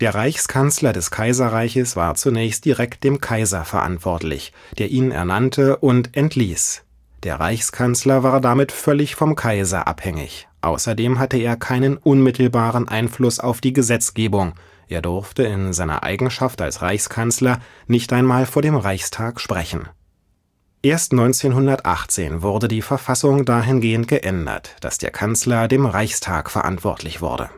Reichskanzler des Kaiserreiches war zunächst direkt dem Kaiser verantwortlich, der ihn ernannte und entließ. Der Reichskanzler war damit völlig vom Kaiser abhängig; außerdem hatte er keinen unmittelbaren Einfluss auf die Gesetzgebung, er durfte in seiner Eigenschaft als Reichskanzler nicht einmal vor dem Reichstag sprechen. Erst 1918 wurde die Verfassung dahingehend geändert, dass der Kanzler dem Reichstag verantwortlich wurde